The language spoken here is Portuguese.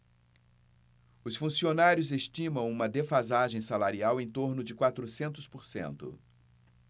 os funcionários estimam uma defasagem salarial em torno de quatrocentos por cento